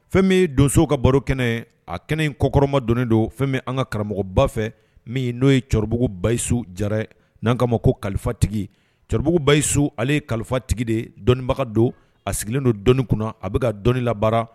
Fɛn bɛ ye donsow ka baro kɛnɛ a kɛnɛ kɔkɔrɔma don don fɛn bɛ an ka karamɔgɔba fɛ min n'o ye cɛkɔrɔbabayisu jaraɛrɛ n'an kama ma ko kalifatigi cɛkɔrɔbabayisu ale ye kalifatigi de dɔnniibaga don a sigilen don dɔni kunna a bɛka ka dɔnnii labaa